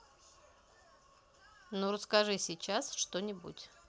ну расскажи сейчас что нибудь